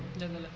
dëgg la